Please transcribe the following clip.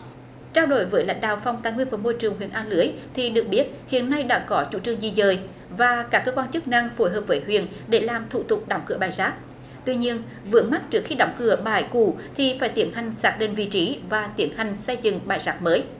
trao đổi với lãnh đạo phòng tài nguyên và môi trường huyện a lưới thì được biết hiện nay đã có chủ trương di dời và các cơ quan chức năng phối hợp với huyện để làm thủ tục đóng cửa bãi rác tuy nhiên vướng mắc trước khi đóng cửa bãi cũ thì phải tiến hành xác định vị trí và tiến hành xây dựng bãi rác mới